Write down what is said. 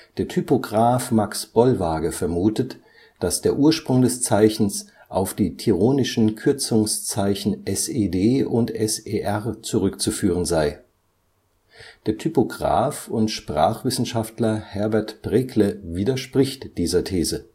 Der Typograph Max Bollwage vermutet, dass der Ursprung des Zeichens auf die tironischen Kürzungszeichen „ sed “und „ ser “zurückzuführen sei. Der Typograph und Sprachwissenschaftler Herbert Brekle widerspricht dieser These